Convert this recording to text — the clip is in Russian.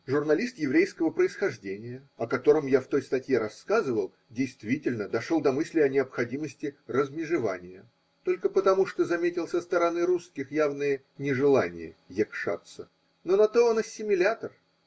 Журналист еврейского происхождения, о котором я в той статье рассказывал, действительно дошел до мысли о необходимости размежевания только потому, что заметил со стороны русских явное нежелание якшаться. Но на то он ассимилятор.